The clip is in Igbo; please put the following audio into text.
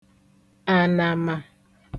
ànàmà